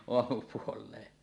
aamupuoleen